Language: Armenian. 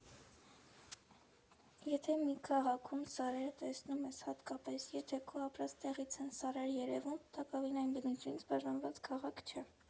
Եթե մի քաղաքում սարերը տեսնում ես, հատկապես, եթե քո ապրած տեղից են սարերը երևում, տակավին, այն բնությունից բաժանված քաղաք չէ։